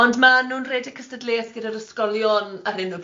Ond ma' nhw'n rhedeg cystadleuaeth gyda'r ysgolion ar hyn o bryd